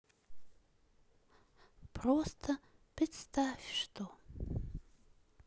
просто представь что